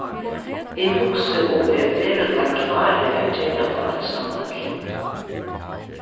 eg hugsi um eg veruliga klári at gera tað einsamøll